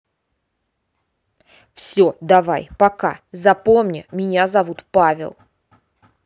все давай пока запомни меня зовут павел